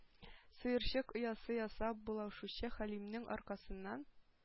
Сыерчык оясы ясап булашучы хәлимнең аркасыннан